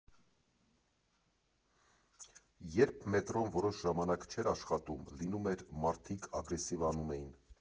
Երբ մետրոն որոշ ժամանակ չէր աշխատում, լինում էր՝ մարդիկ ագրեսիվանում էին.